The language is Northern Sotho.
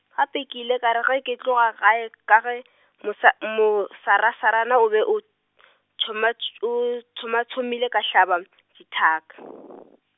gape ke ile ka re ge ke tloga gae ka ge, mosa mosarasarana o be o , tshomatso-, tshomatshomile ka hlaba , dithaka.